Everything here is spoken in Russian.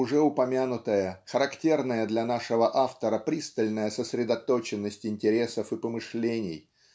уже упомянутая, характерная для нашего автора пристальная сосредоточенность интересов и помышлений